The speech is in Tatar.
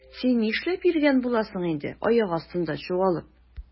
Син нишләп йөргән буласың инде аяк астында чуалып?